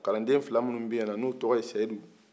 kalanden fila minnu bɛ yan n'o tɔgɔ ye sedu